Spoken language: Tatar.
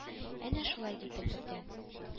Әнә шулай дип белдерде